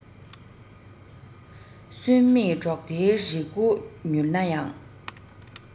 སུན མེད འབྲོག སྡེའི རི སྒོ ཉུལ ན ཡང